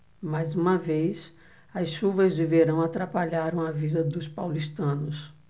mais uma vez as chuvas de verão atrapalharam a vida dos paulistanos